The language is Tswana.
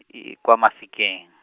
e e kwa Mafikeng.